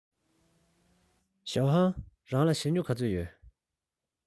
ཞའོ ཧུང རང ལ ཞྭ སྨྱུག ག ཚོད ཡོད